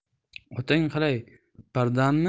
otang qalay bardammi